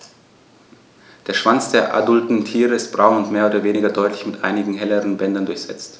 Der Schwanz der adulten Tiere ist braun und mehr oder weniger deutlich mit einigen helleren Bändern durchsetzt.